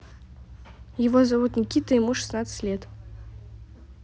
его зовут никита и ему шестнадцать лет